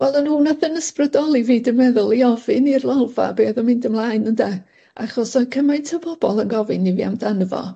Wel o'n nw nath 'y ysbrydoli fi dwi'n meddwl i ofyn i'r Lolfa be o'dd yn mynd ymlaen ynde? Achos oedd cymaint o bobol yn gofyn i fi amdano fo.